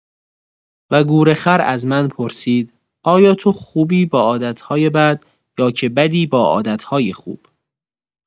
و گورخر از من پرسید: آیا تو خوبی با عادت‌های بد، یا که بدی با عادت‌های خوب؟